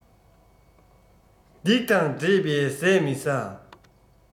སྡིག དང འདྲེས པའི ཟས མི ཟ